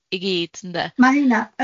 llwybyr i i gyd ynde?